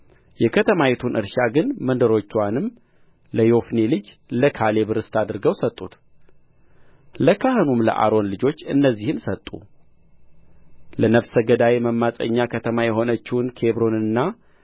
የከተማይቱን እርሻ ግን መንደሮችዋንም ለዮፎኔ ልጅ ለካሌብ ርስት አድርገው ሰጡት ለካህኑም ለአሮን ልጆች እነዚህን ሰጡ ለነፍሰ ገዳይ መማፀኛ ከተማ የሆነችውን ኬብሮንንና